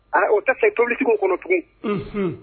Aa o tasa in tobili ti kɛ o kɔnɔ tugun unhun